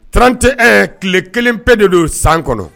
Trante ɛ tile kelen pe de don san kɔnɔ